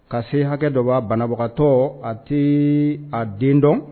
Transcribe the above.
Ka se hakɛ dɔ ma, banabagatɔ a ti a den dɔn